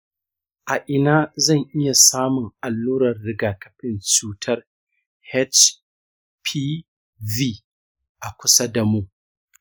a ina zan iya samun allurar rigakafin cutar hpv a kusa da mu?